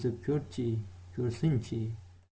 qo'l tegizib ko'rsin chi